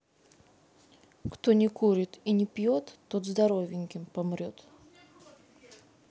кто не курит и не пьет тот здоровеньким помрет